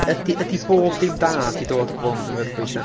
Ydy ydy bob ddim da 'di dod o bobl yn mynd yn fyrbwyll ta?